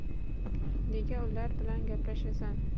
nega ular bilan gaplashasan